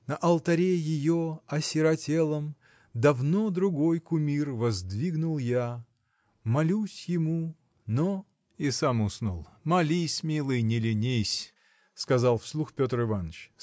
На алтаре ее осиротелом Давно другой кумир воздвигнул я, Молюсь ему. но. – И сам уснул! Молись, милый, не ленись! – сказал вслух Петр Иваныч.